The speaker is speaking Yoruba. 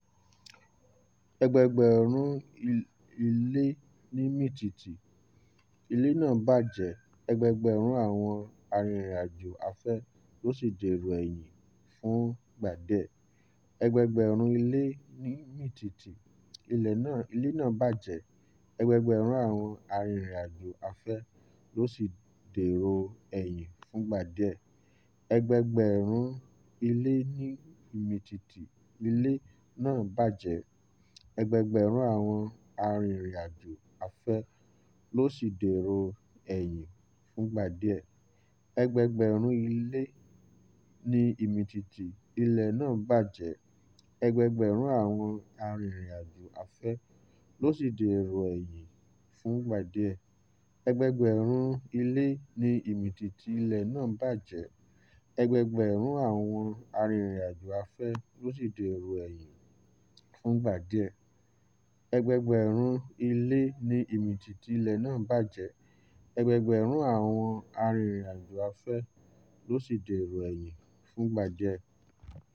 Ẹgbẹẹgbẹ̀rún ilé ni ìmìtìtì ilẹ̀ náà ba jẹ́, ẹgbẹẹgbẹ̀rún àwọn arìnrìn-àjò afẹ́ ló sì dèrò ẹ̀yìn fúngbà díẹ̀.